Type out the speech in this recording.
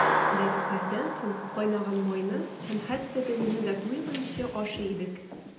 Дәресләрдән соң кайнаган майны һәм хәтта дөгене дә туйганчы ашый идек.